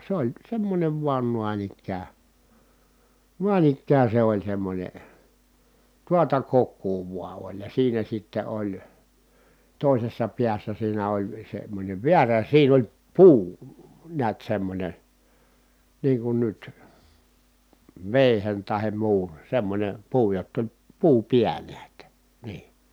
se oli semmoinen vain noin ikään noin ikään se oli semmoinen tuota kokoa vain oli ja siinä sitten oli toisessa päässä siinä oli semmoinen väärä siinä oli puu näet semmoinen niin kuin nyt veitsen tai muun semmoinen puu jotta oli puu päällä että niin